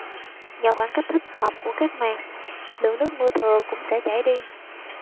nhờ khoảng cách thích hợp của các màng lượng nước mưa thừa cũng sẽ chảy đi